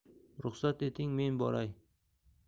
ruxsat eting men boray